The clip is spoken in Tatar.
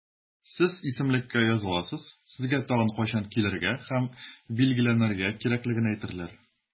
Сез исемлеккә языласыз, сезгә тагын кайчан килергә һәм билгеләнергә кирәклеген әйтәләр.